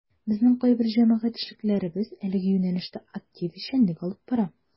Безнең кайбер җәмәгать эшлеклеләребез әлеге юнәлештә актив эшчәнлек алып бара.